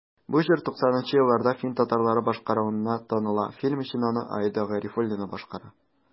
Бу җыр 90 нчы елларда фин татарлары башкаруында таныла, фильм өчен аны Аида Гарифуллина башкара.